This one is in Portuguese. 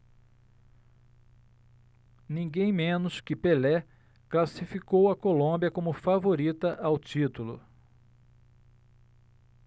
ninguém menos que pelé classificou a colômbia como favorita ao título